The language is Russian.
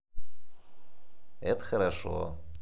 это хорошо